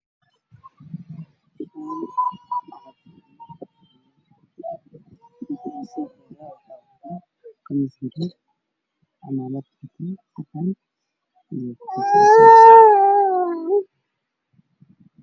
Waxaa ii muuqda wadaaddo wato khamiisyo iyo cimaamado laba waxa ay watan khamiis caddaan midna cadays midna buluug